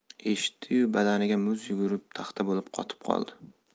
eshitdi yu badaniga muz yugurib taxta bo'lib qotib qoldi